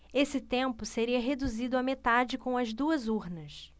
esse tempo seria reduzido à metade com as duas urnas